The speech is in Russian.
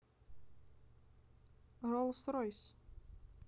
rolls royce